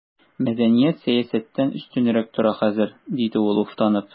Мәдәният сәясәттән өстенрәк тора хәзер, диде ул уфтанып.